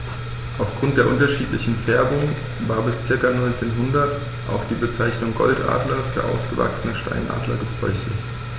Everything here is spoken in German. Auf Grund der unterschiedlichen Färbung war bis ca. 1900 auch die Bezeichnung Goldadler für ausgewachsene Steinadler gebräuchlich.